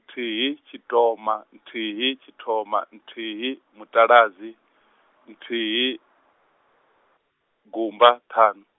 nthihi tshithoma nthihi tshithoma nthihi mutaladzi, nthihi, gumba ṱhanu.